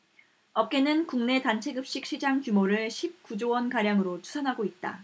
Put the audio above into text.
업계는 국내 단체급식 시장 규모를 십 구 조원가량으로 추산하고 있다